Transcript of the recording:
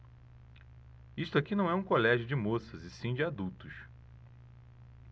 isto aqui não é um colégio de moças e sim de adultos